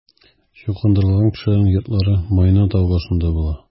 Чукындырылган кешеләрнең йортлары Майна тау башында була.